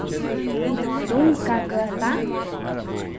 dungagøta